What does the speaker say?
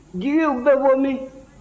jigi u bɛ bɔ min